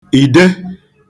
ìde